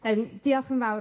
Yym diolch yn fawr...